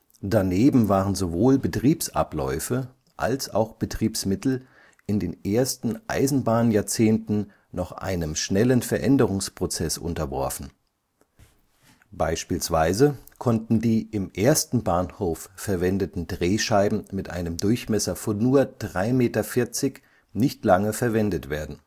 Daneben waren sowohl Betriebsabläufe als auch Betriebsmittel in den ersten Eisenbahnjahrzehnten noch einem schnellen Veränderungsprozess unterworfen. Beispielsweise konnten die im ersten Bahnhof verwendeten Drehscheiben mit einem Durchmesser von nur 3,4 m nicht lange verwendet werden